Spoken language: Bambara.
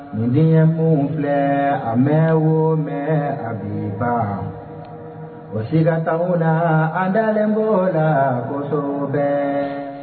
Nin yekun filɛ a mɛn wo mɛn a bi ban o siiga taga la an ntalen ko lago kosɛbɛ